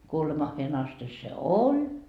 kuolemaansa asti se oli